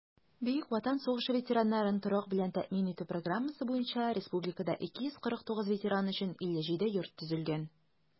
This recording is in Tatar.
Бөек Ватан сугышы ветераннарын торак белән тәэмин итү программасы буенча республикада 249 ветеран өчен 57 йорт төзелгән.